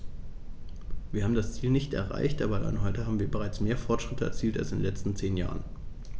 Wir haben das Ziel nicht erreicht, aber allein heute haben wir bereits mehr Fortschritte erzielt als in den letzten zehn Jahren.